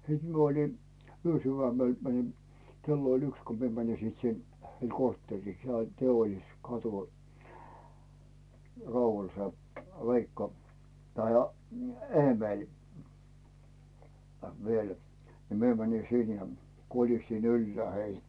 sitten minä olin yösydämellä menin kello oli yksi kun minä menin sitten sinne heille kortteeriin se oli Teollisuuskatu Raumalla se Veikka tai Eemeli vielä niin minä menin sinne ja kolistin ylhäälle heidät